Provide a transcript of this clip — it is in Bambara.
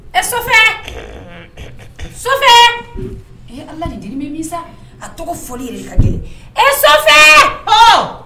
E so i ye alami sa a tɔgɔ foli yɛrɛ ka kɛ e h